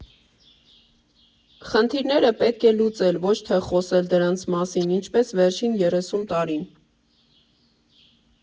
Խնդիրները պետք է լուծել, ոչ թե խոսել դրանց մասին՝ ինչպես վերջին երեսուն տարին։